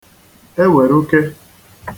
ewèrụke